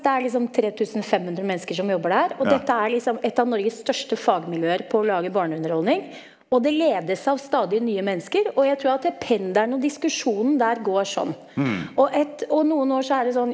det er liksom tretusenfemhundre mennesker som jobber der, og dette er liksom et av Norges største fagmiljøer på å lage barneunderholdning, og det ledes av stadig nye mennesker, og jeg tror at pendelen og diskusjonen der går sånn og ett og noen år så er det sånn.